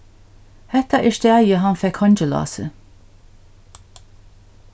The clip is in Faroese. hetta er staðið hann fekk heingilásið